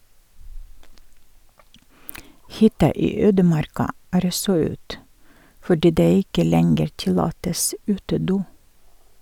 Hytta i ødemarka er også ut, fordi det ikke lenger tillates utedo.